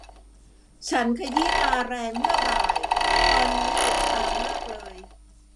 ฉันขยี้ตาแรงเมื่อบ่ายตอนนี้เจ็บตามากเลย